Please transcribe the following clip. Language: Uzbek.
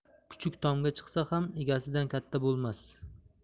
kuchuk tomga chiqsa ham egasidan katta bo'lmas